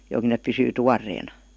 - ne pysyy tuoreena